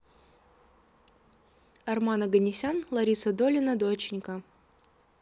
арман оганесян лариса долина доченька